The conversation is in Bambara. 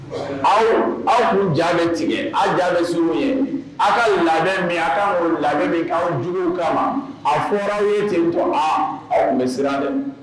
Aw aw tun jaabi tigɛ aw jaabi bɛ sw ye aw ka lamɛn min aw ka lamɛn min aw juguw kama ma a fɔra ye ten fɔ a aw bɛ siran dɛ